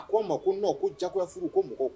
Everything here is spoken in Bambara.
A ko n ma ko non ko jagoya furu ko mɔgɔw